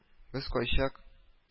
— без кайчак